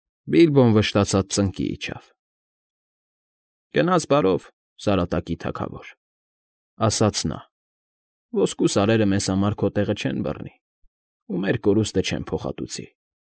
Բիլբոն վշտացած ծնկի իջավ։ ֊ Գնաս բարով, Սարատակի թագավոր,֊ ասաց նա,֊ ոսկու սարերը մեզ համար քո տեղը չեն բռնի ու մեր կորուստը չեն փոխհատուցի։